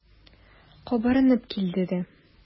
Кабарынып килде дә.